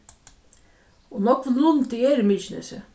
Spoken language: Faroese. nógvur lundi er í mykinesi